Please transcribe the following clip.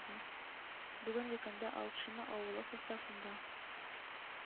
Бүгенге көндә Ал шино авылы составында